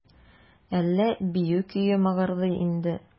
Әллә бию көе мыгырдый инде?